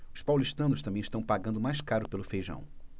os paulistanos também estão pagando mais caro pelo feijão